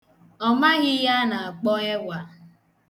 Ọ maghị ihe a na-akpọ ẹwa.